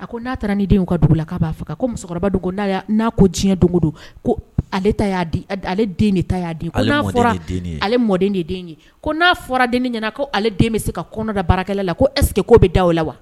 A n'a taara n' den ka dugu la' b'a fɔ ko musokɔrɔba n' n'a ko diɲɛ don don ko ale ta y ale den de ta y' den'a fɔra ale mɔden de den ye ko n'a fɔra den ɲɛna ko ale den bɛ se ka kɔnɔ da baarakɛ la ko eseke ko bɛ da o la wa